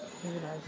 village